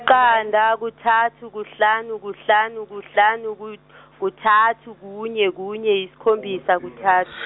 yiqanda kuthathu kuhlanu kuhlanu kuhlanu ku- kuthathu kunye kunye isikhombisa kuthathu.